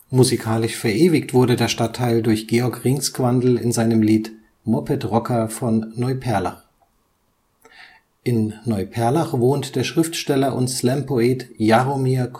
Musikalisch verewigt wurde der Stadtteil durch Georg Ringsgwandl in seinem Lied „ Mopedrocker von Neuperlach “. In Neuperlach wohnt der Schriftsteller und Slam Poet Jaromir